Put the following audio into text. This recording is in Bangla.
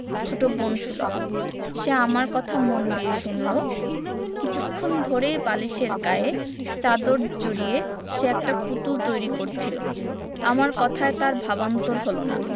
ছোট বোন সুলভ সে আমার কথা মন দিয়ে শুনলো কিছুক্ষণ ধরেই বালিশের গায়ে চাদর জড়িয়ে সে একটা পুতুল তৈরি করছিলো আমার কথায় তার ভাবান্তর হলো না